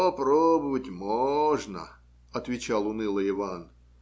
- Попробовать можно, - отвечал уныло Иван.